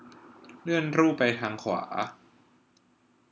เลื่อนรูปไปทางขวา